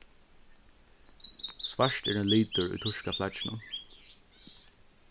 svart er ein litur í týska flagginum